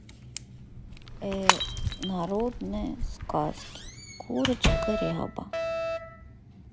э народные сказки курочка ряба